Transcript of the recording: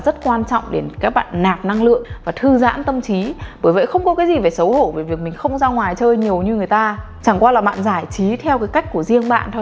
quan trọng để các bạn nạp năng lượng và thư giãn tâm trí bởi vậy không có cái gì phải xấu hổ với việc mình không ra ngoài chơi nhiều như người ta chẳng qua là bạn giải trí theo cái cách của riêng bạn thôi